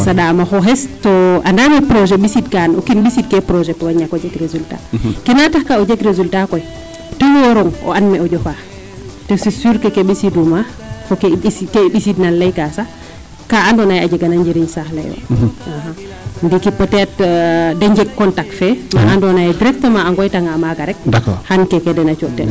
Saɗaam a xooxes to anda yee projet ɓissinkaan o kiin ɓisiidkee projet to ñak o jeg résultat keena taxkaa o jeg résultat koy te woorong o and mee o jofaa te c' est sur que ke ɓisiiduma fe ke i ɓisiidna um layka sax kaa andoona yee a jegana o njiriñ saax le yo ndiiki peut etre da njeg contact "fee andoona yee directement a ngooytanga maaga rek xan keeke den a cooxtin.